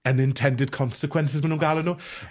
unintended consequences ma' nw'n galw nhw?